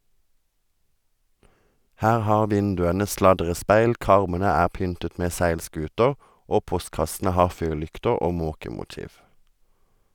Her har vinduene sladrespeil, karmene er pyntet med seilskuter, og postkassene har fyrlykter og måkemotiv.